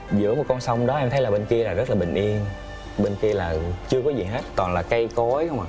giữa một con sông đó em thấy là bên kia là rất là bình yên bên kia là chưa có gì hết toàn là cây cối không à